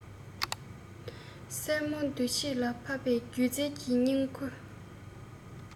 སོར མོའི འདུ བྱེད ལ ཕབ པའི སྒྱུ རྩལ གྱི ཉིང ཁུ